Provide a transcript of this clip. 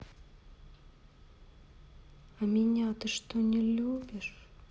а меня ты что не любишь